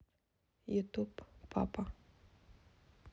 ютуб папа